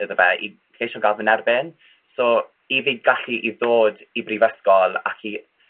Iddo fe i ceisio ga'l fy nerbyn. So i fi gallu i ddod i brifysgol ac i